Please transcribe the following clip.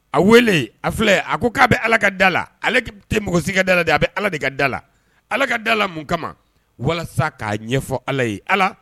A wele a filɛ a ko k'a bɛ ala ka da la ale tɛ npogosika da la de a bɛ ala de ka da la ala ka dala la mun kama walasa k'a ɲɛfɔ ala ye ala